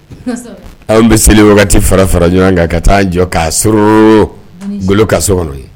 An bɛ se wagati fara fara ɲɔgɔn kan ka taa jɔ k'a sɔrɔ golo ka so kɔnɔ ye